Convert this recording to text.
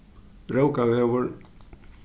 rókavegur